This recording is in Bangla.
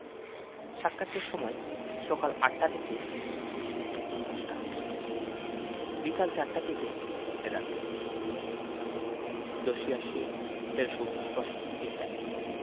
সাক্ষাতের সময় সকাল ৮ থেকে ১০ টা বিকাল ৪ টা থেকে ১১ টা ১০ই আশ্বিন ১৩৮৮ পৃষ্ঠা ১